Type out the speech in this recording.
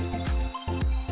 với